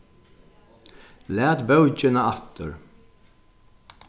lat bókina aftur